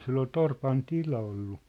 sillä oli torpan tila ollut